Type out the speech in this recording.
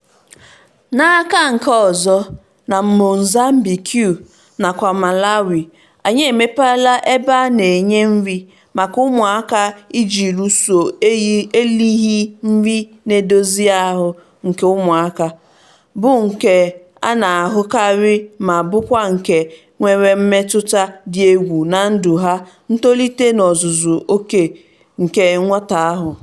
N'aka nke ọzọ, na Mozambique (Maputo na Beira) nakwa Malawi anyị emepeela ebe a na-enye nri maka ụmụaka iji lụso erighị nri na-edozi ahụ nke ụmụaka, bụ nke a na-ahụkarị ma bụkwa nke nwere mmetụta dị egwu na ndụ na ntolite n'ozuzu oké nke nwata ahụ.